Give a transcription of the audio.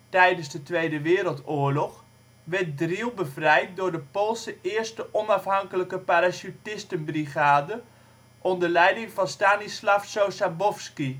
tijdens de Tweede Wereldoorlog, werd Driel bevrijd door de Poolse 1e Onafhankelijke Parachutistenbrigade onder leiding van Stanislaw Sosabowski. De